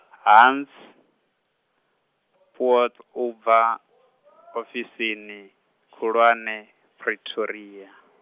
Hans Poot u bva, ofisini, Khulwane Pretoria.